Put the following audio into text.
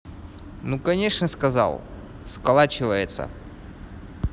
ну конечно сказал сколачивается